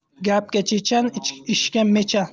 gapga chechan ishga mechan